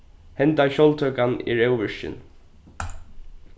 hendan sjálvtøkan er óvirkin